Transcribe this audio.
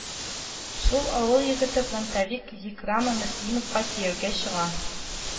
Шул авыл егете фронтовик гикрама мөслимовка кияүгә чыга